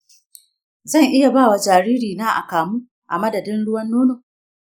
zan iya ba wa jaririna akamu a madadin ruwan nono?